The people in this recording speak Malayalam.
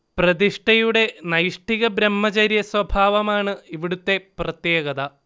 പ്രതിഷ്ഠയുടെ നൈഷ്ഠിക ബ്രഹ്മചര്യ സ്വഭാവമാണ് ഇവിടുത്തെ പ്രത്യേകത